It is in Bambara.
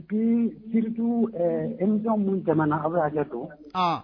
Bi jiritu emi minnu tɛm aw bɛ y'a kɛ to